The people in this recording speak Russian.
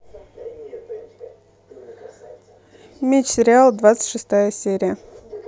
меч сериал двадцать шестая серия